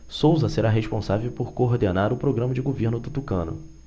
souza será responsável por coordenar o programa de governo do tucano